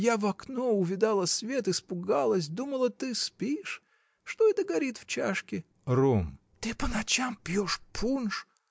Я в окно увидала свет, испугалась, думала, ты спишь. Что это горит в чашке? — Ром. — Ты по ночам пьешь пунш!